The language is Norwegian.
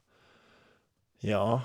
Ja.